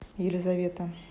елизавета